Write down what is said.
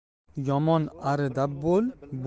yomon arida bol